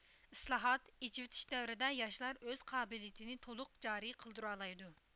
ئىسلاھات ئېچىۋېتىش دەۋرىدە ياشلار ئۆز قابىلىيىتنى تولۇق جارى قىلدۇرالايدۇ